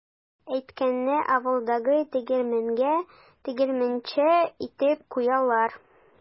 Әткәйне авылдагы тегермәнгә тегермәнче итеп куялар.